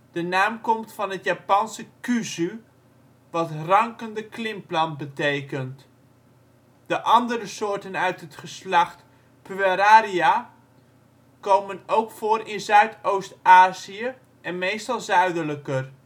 De naam komt van het Japanse “kuzu” (葛), wat rankende klimplant betekent. De andere soorten uit het geslacht Pueraria komen ook voor in Zuidoost-Azië en meestal zuidelijker